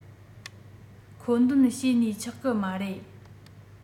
མཁོ འདོན བྱེད ནུས ཆགས ཀྱི མ རེད